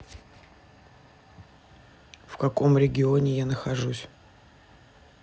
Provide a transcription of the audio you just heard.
в каком регионе я нахожусь